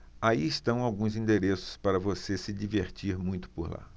aí estão alguns endereços para você se divertir muito por lá